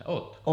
oletteko